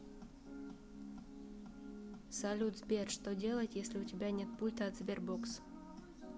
салют сбер что делать если у тебя нет пульта от sberbox